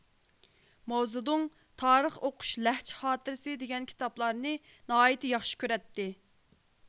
ماۋزېدۇڭ تارىخ ئوقۇش لەھجە خاتىرىسى دېگەن كىتابلارنى ناھايىتى ياخشى كۆرەتتى